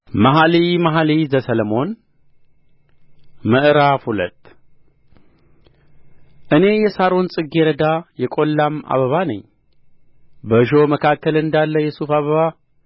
መኃልየ መኃልይ ዘሰሎሞን ምዕራፍ ሁለት እኔ የሳሮን ጽጌ ረዳ የቈላም አበባ ነኝ በእሾህ መካከል እንዳለ የሱፍ አበባ